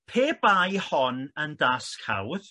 pe bai hon yn dasg hawdd